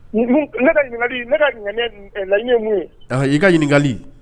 Kali ne ka mun i ka ɲininkakali